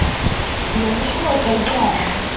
я не твой хозяин